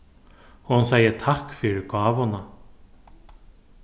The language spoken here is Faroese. hon segði takk fyri gávuna